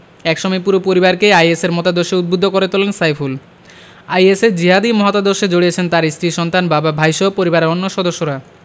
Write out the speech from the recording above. একসময় পুরো পরিবারকেই আইএসের মতাদর্শে উদ্বুদ্ধ করে তোলেন সাইফুল আইএসের জিহাদি মতাদর্শে জড়িয়েছেন তাঁর স্ত্রী সন্তান বাবা ভাইসহ পরিবারের অন্য সদস্যরা